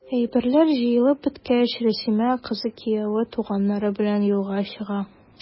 Әйберләр җыелып беткәч, Рәсимә, кызы, кияве, туганнары белән юлга чыга.